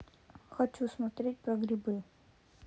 хочу смотреть про грибы